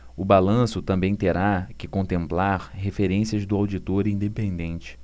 o balanço também terá que contemplar referências do auditor independente